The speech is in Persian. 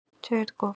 چرت گفت!